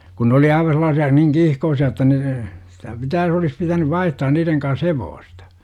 kun ne oli aivan sellaisia niin kiihkoisia että ne sitä pitää olisi pitänyt vaihtaa niiden kanssa hevosta